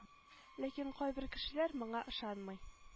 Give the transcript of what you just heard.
Ләкин кайбер кешеләр моңа ышанмый